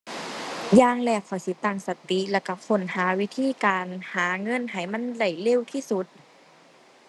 อย่างแรกข้อยสิตั้งสติ แล้วก็ค้นหาวิธีการ หาเงินให้มันได้เร็วที่สุด